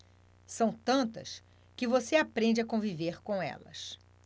são tantas que você aprende a conviver com elas